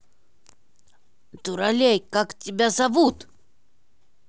дуралей как тебя зовут